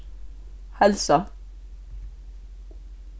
heilsa